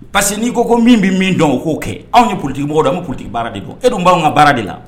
Parce que n'i ko min bɛ min dɔn o k'o kɛ anw ye ptigi mɔgɔw la min kuntigi baara de kɔ e dun b'anw ka baara de la